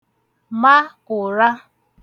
ma ụ̀ra